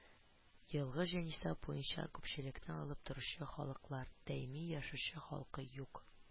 Елгы җанисәп буенча күпчелекне алып торучы халыклар: даими яшәүче халкы юк